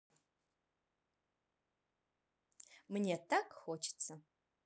мне так хочется